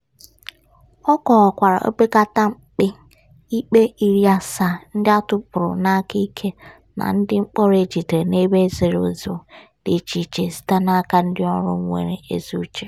Ọ kọwakwara opekata mpe ikpe 70 ndị a tụkpuru n'aka ike na ndị mkpọrọ ejidere n'ebe zoro ezo dị iche iche site n'aka ndị ọrụ nwere ezi uche.